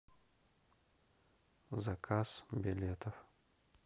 заказ билетов